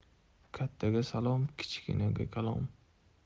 kattaga salom ber kichikka kalom